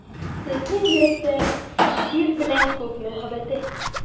Сезнең йөрәктә — Җир белә Күк мәхәббәте.